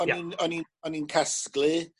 Ia. O'n i'n o'n i'n o'n i'n casglu